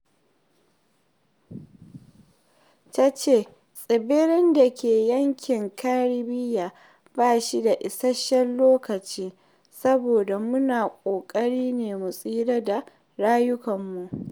Ta ce tsibirin da ke yankin Karibiya "ba shi da isasshen lokaci saboda [mu na] ƙoƙari ne mu tsira da rayukanmu".